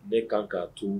Bɛ kan ka tu